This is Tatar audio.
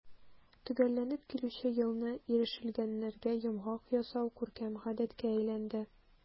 Төгәлләнеп килүче елны ирешелгәннәргә йомгак ясау күркәм гадәткә әйләнде.